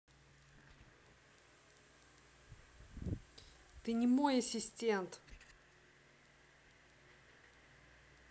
ты не мой ассистент